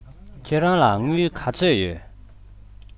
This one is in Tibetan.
ཁྱེད རང ལ དངུལ ག ཚོད ཡོད